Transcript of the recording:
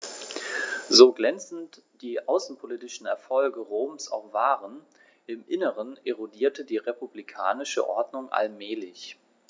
So glänzend die außenpolitischen Erfolge Roms auch waren: Im Inneren erodierte die republikanische Ordnung allmählich.